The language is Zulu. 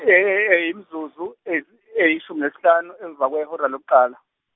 ey- ey- ey- imizuzu ey- eyishumi nesihlanu emva kwehora lokuqala.